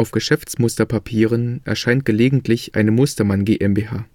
Geschäftsmusterpapieren erscheint gelegentlich eine Mustermann GmbH